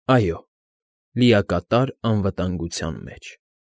Այո, լիակատար անվատանության մեջ։